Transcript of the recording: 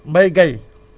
Mbaye Gaye